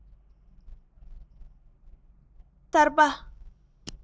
བརྗོད བྱ གསར བ